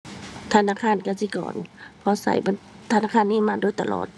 ธนาคารกสิกร เพราะใช้เพิ่น ธนาคารนี้มาโดยตลอด